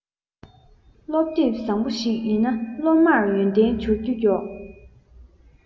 སློབ དེབ བཟང བོ ཞིག ཡིན ན སློབ མར ཡོན ཏན འབྱོར རྒྱུ མགྱོགས